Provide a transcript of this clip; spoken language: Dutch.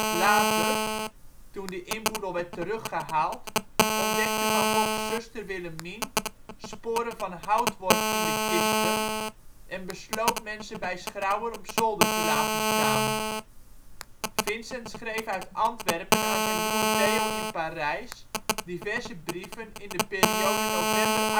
Later, toen de inboedel werd teruggehaald, ontdekte Van Goghs zuster Willemien sporen van houtworm in de kisten en besloot men ze bij Schrauer op zolder te laten staan. Vincent schreef uit Antwerpen aan zijn broer Theo in Parijs diverse brieven in de periode november